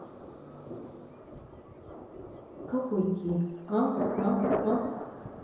как уйти а а а